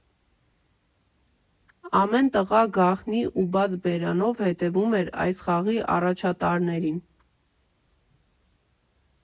Ամեն տղա գաղտնի ու բաց բերանով հետևում էր այս խաղի առաջատարներին։